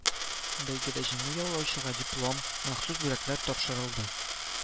Бәйгедә җиңү яулаучыларга диплом, махсус бүләкләр тапшырылды